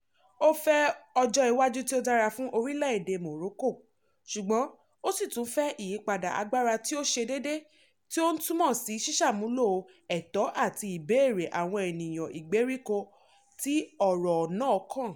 Ó fẹ́ ọjọ́ iwájú tí ó dára fún orílẹ̀ èdè Morocco, ṣùgbọ́n ó ṣì tún fẹ́ ìyípadà agbára tí ó ṣe déédéé, tí ó ń túmọ̀ sí sísàmúlò ẹ̀tọ́ àti ìbéèrè àwọn ènìyàn ìgbèríko tí ọ̀rọ̀ náà kàn.